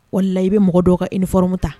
Wala la i bɛ mɔgɔ dɔ ka i ni fmu ta